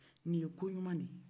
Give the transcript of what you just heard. nin ye ko ɲuman de ye